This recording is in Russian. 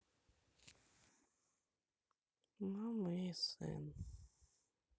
мама и сын